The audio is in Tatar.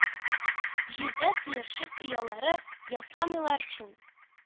Җирдә сыерчык оялары ясамыйлар шул.